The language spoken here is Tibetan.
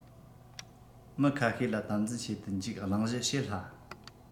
མི ཁ ཤས ལ དམ འཛིན བྱེད དུ འཇུག གླེང གཞི བྱེད སླ